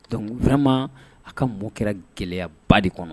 Dɔnkuc wɛrɛma a ka mɔ kɛra gɛlɛyaba de kɔnɔ